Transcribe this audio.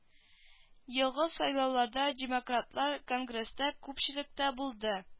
Елгы сайлауда демократлар конгресста күпчелектә булды